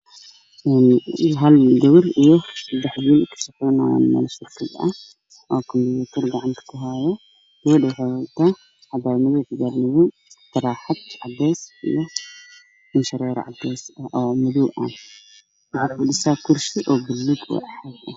Meeshani wax ka muqo niman iyo naago